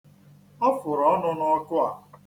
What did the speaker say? Ọ fụrụ ọnụ n'ọkụ a.